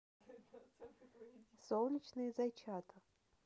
солнечные зайчата